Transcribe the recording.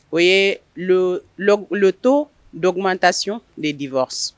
O ye les taux d'augmentation du divorce